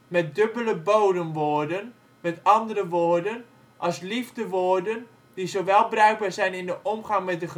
met dubbele bodem woorden m.a.w.: als liefdewoorden die zowel bruikbaar zijn in de omgang met de